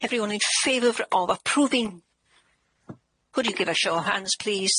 Anyone in favour y- of approving. Could you give a show of hands please?